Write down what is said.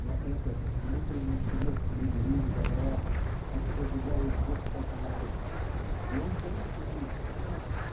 Но этот внутренний свет любви и добра они зажигают бессознательно и он горит у них так